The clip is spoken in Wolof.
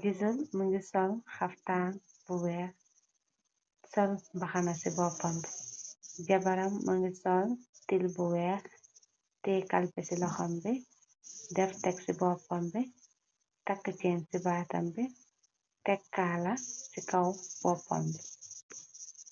Jizzle mu ngi sol xaftaan bu weex sol mbaxana ci boppam bi. Jabaram më ngi sol til bu weex teyi kalpe ci loxam bi def tek si boppam bi, takk ceen ci baatam bi tek kaala ci kaw boppam bi.